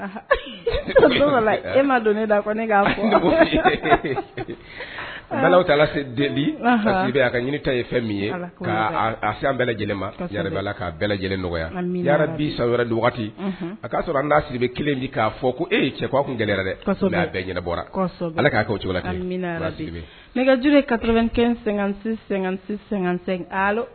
Se ka ɲini ye fɛn min ye a lajɛlen nɔgɔya sa wɛrɛ a k'a sɔrɔ an n'a siribi kelen k'a fɔ ko e ye cɛ ko kun dɛ bɔra alaa kɛ o cogoj ka sɛgɛn